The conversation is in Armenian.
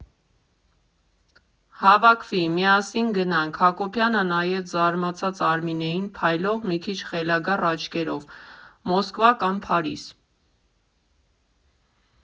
Հավաքվի, միասին գնանք, ֊ Հակոբյանը նայեց զարմացած Արմինեին փայլող, մի քիչ խելագար աչքերով, ֊ Մոսկվա, կամ Փարիզ։